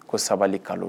Ko sabali kalo